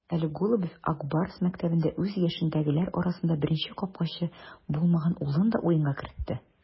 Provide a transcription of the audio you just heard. Әле Голубев "Ак Барс" мәктәбендә үз яшендәгеләр арасында беренче капкачы булмаган улын да уенга кертте.